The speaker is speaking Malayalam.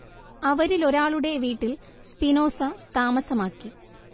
അവരിലൊരാളുടെ വീട്ടിൽ സ്പിനോസ താമസമാക്കി